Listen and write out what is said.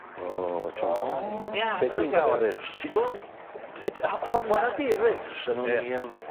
Oh watch out. O! Be' ti'n galw riffs? Ti'n gwel'? Dy- h- honna 'di riffs a newn ni yym. Ie.